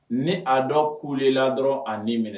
Ni aa dɔn ku de la dɔrɔn ani ni minɛ